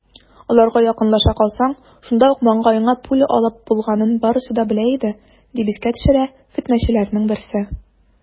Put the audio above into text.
Аларга якынлаша калсаң, шунда ук маңгаеңа пуля алып булганын барысы да белә иде, - дип искә төшерә фетнәчеләрнең берсе.